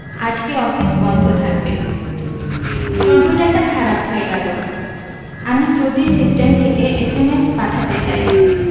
আজকে অফিস বন্ধ থাকবে কম্পিউটারটা খারাপ হয়ে গেল আমি শ্রুতি সিস্টেম থেকে এসএমএস পাঠাতে চাই